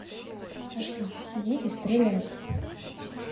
хочу сидите стрелять